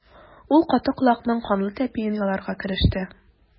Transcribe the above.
Ул каты колакның канлы тәпиен яларга кереште.